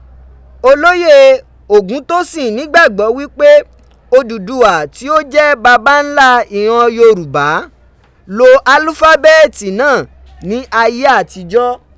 Olóyè Ògúntósìn nígbàgbọ́ wí pé Odùduwà, tí ó jẹ́ bàbá ńlá ìran Yorùbá lo alífábẹ́ẹ̀tì náà ní ayé àtijọ́.